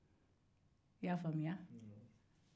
i y'a famuya